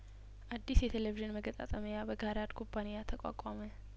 አዲስ የቴሌቪዥን መገጣጠም ያበጋራድ ኩባንያተቋቋመ